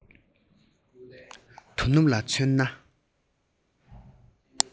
དོ ནུབ ལ མཚོན ན